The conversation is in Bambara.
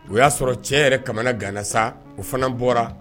O y'a sɔrɔ cɛ yɛrɛ ka kamana gwana sa o fana bɔra!